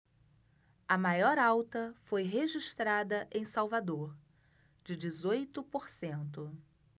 a maior alta foi registrada em salvador de dezoito por cento